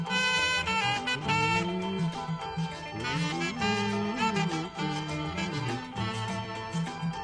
Maa kelen diɲɛ nk diɲɛ maa kelen tɛ diɲɛ laban laban